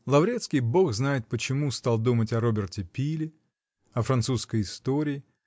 Лаврецкий, бог знает почему, стал думать о Роберте Пиле. о французской истории.